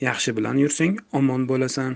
yaxshi bilan yursang omon bolasan